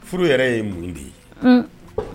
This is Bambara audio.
Furu yɛrɛ ye mun de ye